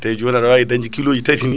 te joni aɗa wawi dañde kiloji taati ni